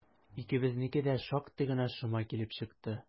Икебезнеке дә шактый гына шома килеп чыкты.